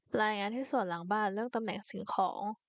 รายงานที่สวนหลังบ้านเรื่องตำแหน่งสิ่งของ